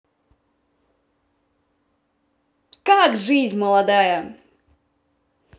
как жизнь молодая